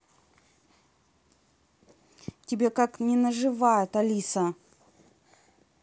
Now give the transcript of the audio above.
тебя как не наживает алиса